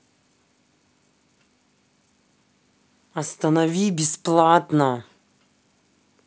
останови бесплатно